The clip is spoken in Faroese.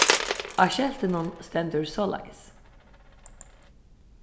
á skeltinum stendur soleiðis